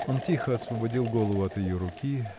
Он тихо освободил голову от ее руки